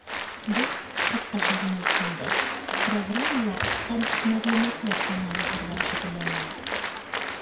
Без, кыскача гына әйткәндә, программалар һәм мәгълүматлар анализы белән шөгыльләнәбез.